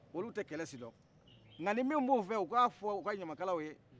olu tɛ kɛlɛ si dɔn nka ni min b' u fɛ u ka f' u ka ɲamakalaw ye